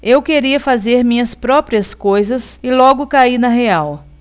eu queria fazer minhas próprias coisas e logo caí na real